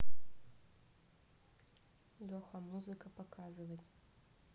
леха музыка показывать